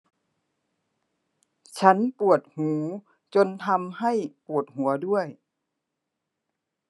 ฉันปวดหูจนทำให้ปวดหัวด้วย